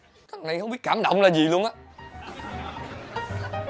thằng này không biết cảm động là gì luôn